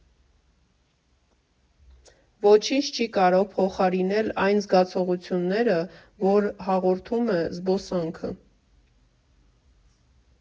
Ոչինչ չի կարող փոխարինել այն զգացողությունները, որ հաղորդում է զբոսանքը։